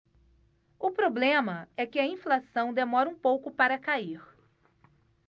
o problema é que a inflação demora um pouco para cair